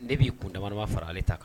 Ne b'i kundaba fara ale ta kan